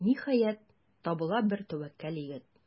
Ниһаять, табыла бер тәвәккәл егет.